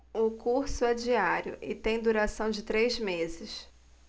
o curso é diário e tem duração de três meses